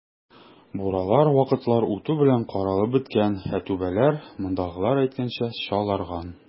Буралар вакытлар үтү белән каралып беткән, ә түбәләр, мондагылар әйткәнчә, "чаларган".